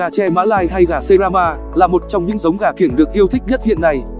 gà tre mã lai hay gà serama là một trong những giống gà kiểng được yêu thích nhất hiện nay